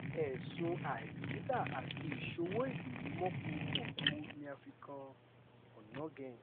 Ẹ̀sùn àìbìkítà àti ìṣowó-ìlú-mọ́kumọ̀ku ni a fi kan Onnoghen.